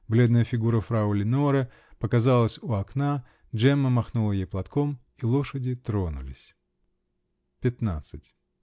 Бледная фигура фрау Леноре показалась у окна, Джемма махнула ей платком -- и лошади тронулись. Пятнадцать.